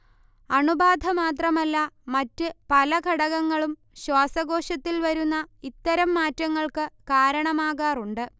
അണുബാധ മാത്രമല്ല മറ്റ് പല ഘടകങ്ങളും ശ്വാസകോശത്തിൽ വരുന്ന ഇത്തരം മാറ്റങ്ങൾക്ക് കാരണമാകാറുണ്ട്